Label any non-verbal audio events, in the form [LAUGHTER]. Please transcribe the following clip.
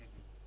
[HESITATION] [HESITATION]